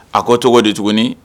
A ko tɔgɔ de tuguni